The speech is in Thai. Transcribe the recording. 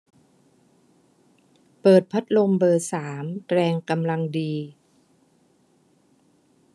เปิดพัดลมเบอร์สามแรงกำลังดี